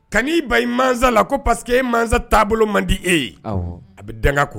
Ka n'i ba mansa la ko paseke ye mansasa taabolo man di e ye a bɛ dangako